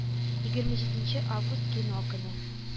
Егерме җиденче август кино көне